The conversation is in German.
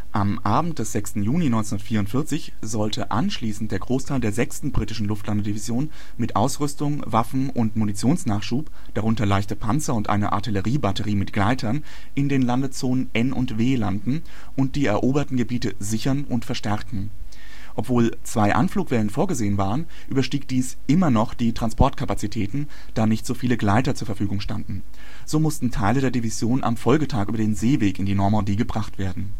Am Abend des 6. Juni 1944 sollte anschließend der Großteil der 6. Britischen Luftlandedivision, mit Ausrüstung, Waffen - und Munitionsnachschub, darunter leichte Panzer und eine Artilleriebatterie mit Gleitern in den Landezonen N und W landen und die eroberten Gebiete sichern und verstärken. Obwohl zwei Anflugwellen vorgesehen waren, überstieg dies immer noch die Transportkapazitäten, da nicht so viele Gleiter zur Verfügung standen. So mussten Teile der Division am Folgetag über den Seeweg in die Normandie gebracht werden